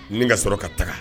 Ni ka sɔrɔ ka taga